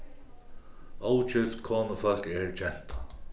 ógift konufólk er genta